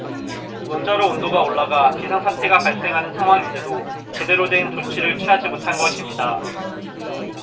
원자로 온도가 올라가 비상 사태가 발생하는 상황인데도 제대로 된 조치를 취하지 못한 것입니다